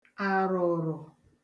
àrụ̀rụ̀